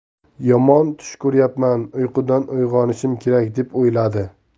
yomon tush ko'ryapman uyqudan uyg'onishim kerak deb o'yladi